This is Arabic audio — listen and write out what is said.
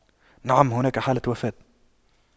نعم هناك حالة وفاة